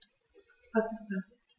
Was ist das?